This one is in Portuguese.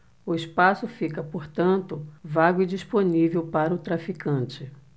o espaço fica portanto vago e disponível para o traficante